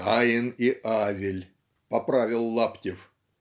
"Каин и Авель", - поправил Лаптев.